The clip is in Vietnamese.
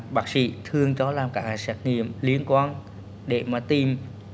bác sĩ thường cho làm cái xét nghiệm liên quan để mà tìm